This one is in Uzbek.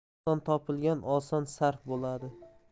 oson topilgan oson sarf bo'ladi